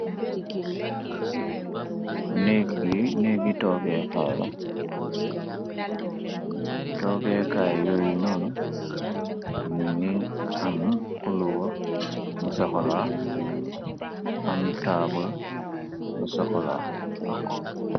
neggi toogeekaay, toogeekaay yoo yu noonu ni ngi am koolor bu saxola am taabal bu saxolaa.